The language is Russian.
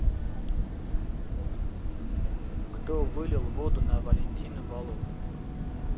кто вылил воду на валентину валову